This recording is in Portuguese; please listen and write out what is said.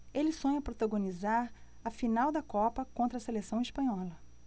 ele sonha protagonizar a final da copa contra a seleção espanhola